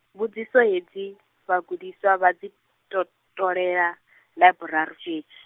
mbudziso hedzi, vhagudiswa vha dzi, ṱo- ṱolela, ḽaiburari fhedzi.